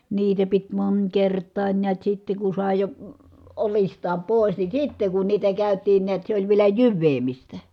niitä piti monikertaan näet sitten kun sai jo oljistaan pois niin sitten kun niitä käytiin näet se oli vielä jyväämistä